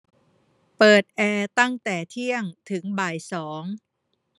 เปิดแอร์ตั้งแต่เที่ยงถึงบ่ายสอง